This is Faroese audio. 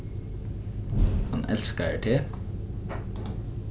hann elskar teg